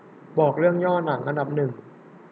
ขอดูตัวอย่างหนังอันดับหนึ่ง